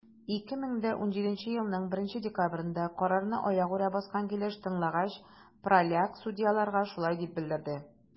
2017 елның 1 декабрендә, карарны аягүрә баскан килеш тыңлагач, праляк судьяларга шулай дип белдерде: